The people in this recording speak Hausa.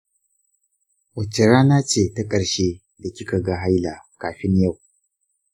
wace rana ce ta ƙarshe da kika ga haila kafin yau?